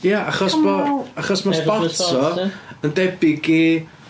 Ia achos bo- achos bod spots o yn debyg i...